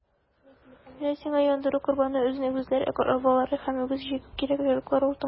Менә сиңа яндыру корбаны өчен үгезләр, ә арбалары һәм үгез җигү кирәк-яраклары - утынга.